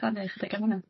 Rhannu chydig am wnna?